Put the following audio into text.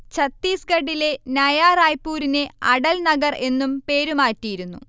ഛത്തീസ്ഗഢിലെ നയാ റായ്പുരിനെ അടൽ നഗർ എന്നും പേരുമാറ്റിയിരുന്നു